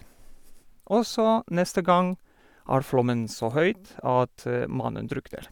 Og så, neste gang er flommen så høyt at mannen drukner.